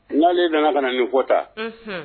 N'ale nana ka nin kota